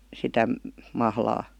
sitä mahlaa